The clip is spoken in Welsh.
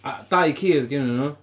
a dau ci oedd gennyn nhw.